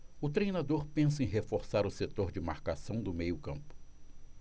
o treinador pensa em reforçar o setor de marcação do meio campo